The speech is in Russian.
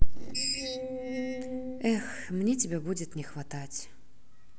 эх мне тебя будет не хватать